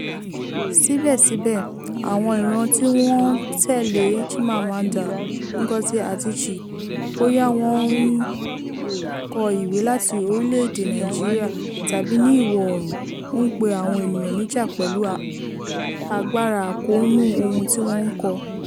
Síbẹ̀síbẹ̀, àwọn ìran tí wọ́n tẹ́lẹ̀ Chimamanda Ngozi Adichie, bóyá wọ́n ń kọ ìwé láti Orílẹ̀-èdè Nigeria tàbí ní Ìwọ̀ Oòrùn, ń pe àwọn ènìyàn níjà pẹ̀lú agbára àkóónú ohun tí wọ́n ń kọ.